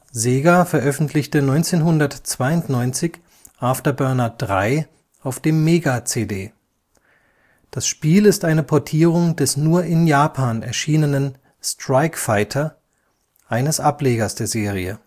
Sega veröffentlichte 1992 After Burner III auf dem Mega-CD. Das Spiel ist eine Portierung des nur in Japan erschienenen Strike Fighter, eines Ablegers der Serie